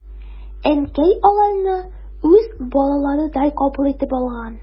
Әнкәй аларны үз балаларыдай кабул итеп алган.